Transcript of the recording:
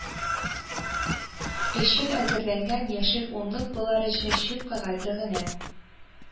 Өчен әзерләнгән яшел унлык болар өчен чүп кәгазе генә